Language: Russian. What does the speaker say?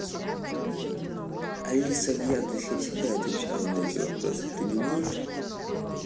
алиса в яндексе всегда отвечала на эти вопросы ты не можешь